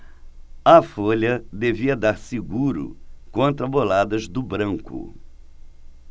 a folha devia dar seguro contra boladas do branco